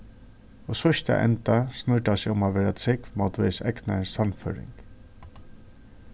í síðsta enda snýr tað seg um at vera trúgv mótvegis egnari sannføring